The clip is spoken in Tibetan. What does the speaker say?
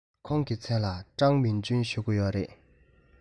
ཁོང གི མཚན ལ ཀྲང མིང ཅུན ཞུ གི ཡོད རེད